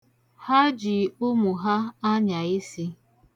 Ha ji ụmụ ha na-anya isi.